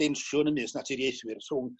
densiwn ymysg naturiaethwyr rhwng